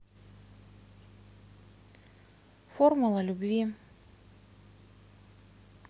формула любви